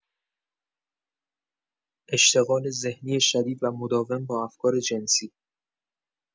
اشتغال ذهنی شدید و مداوم با افکار جنسی